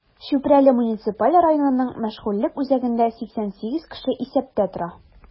Чүпрәле муниципаль районының мәшгульлек үзәгендә 88 кеше исәптә тора.